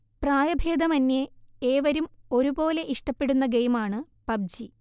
പ്രായഭേദമന്യേ ഏവരും ഒരുപോലെ ഇഷ്ടപെടുന്ന ഗെയിമാണ് പബ്ജി